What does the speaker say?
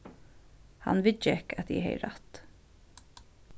hann viðgekk at eg hevði rætt